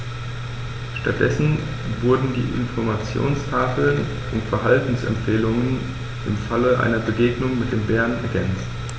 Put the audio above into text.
Stattdessen wurden die Informationstafeln um Verhaltensempfehlungen im Falle einer Begegnung mit dem Bären ergänzt.